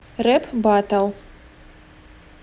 рэп баттл